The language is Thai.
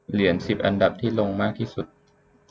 เหรียญสิบอันดับที่ลงมากที่สุด